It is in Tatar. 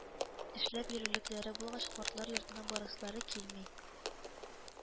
Эшләп йөрерлекләре булгач, картлар йортына барасылары килми